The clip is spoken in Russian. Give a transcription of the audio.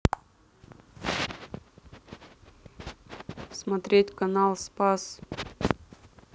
смотреть канал спас